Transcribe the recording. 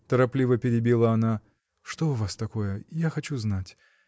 — торопливо перебила она, — что у вас такое? я хочу знать.